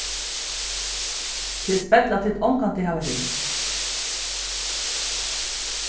tað er spell at tit ongantíð hava hitst